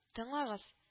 Тыңлагыз